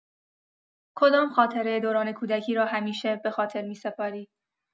کدام خاطره دوران کودکی را همیشه به‌خاطر می‌سپاری؟